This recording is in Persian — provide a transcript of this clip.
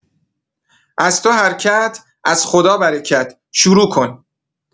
از تو حرکت از خدا برکت، شروع کن.